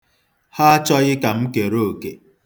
Ha achọghị ka m kere oke.